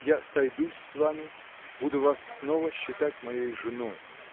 Я сойдусь с вами, буду вас снова считать моей женой.